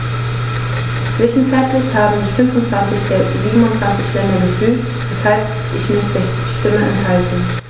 Zwischenzeitlich haben sich 25 der 27 Länder gefügt, weshalb ich mich der Stimme enthalte.